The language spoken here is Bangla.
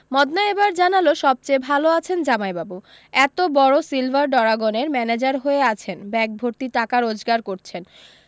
মদনা এবার জানালো সব চেয়ে ভালো আছেন জামাইবাবু এতো বড়ো সিলভার ডরাগনের ম্যানেজার হয়ে আছেন ব্যাগভর্তি টাকা রোজগার করছেন